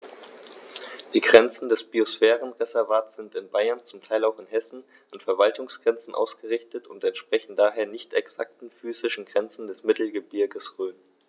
Die Grenzen des Biosphärenreservates sind in Bayern, zum Teil auch in Hessen, an Verwaltungsgrenzen ausgerichtet und entsprechen daher nicht exakten physischen Grenzen des Mittelgebirges Rhön.